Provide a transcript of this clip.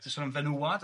Jyst yn ymfenwad